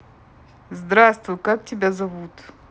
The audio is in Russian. здравствуй как тебя зовут